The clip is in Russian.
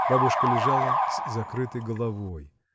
Бабушка лежала с закрытой головой.